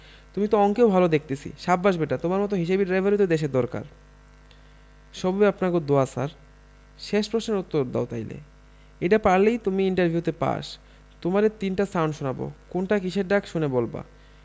তুমি তো অঙ্কেও ভাল দেখতেছি সাব্বাস ব্যাটা তোমার মত হিসাবি ড্রাইভারই তো দেশে দরকার সবই আপনাগো দোয়া ছার শেষ প্রশ্নের উত্তর দাও তাইলে এইডা পারলেই তুমি ইন্টার ভিউতে পাস তোমারে তিনটা সাউন্ড শোনাবো কোনটা কিসের ডাক শুনে বলবা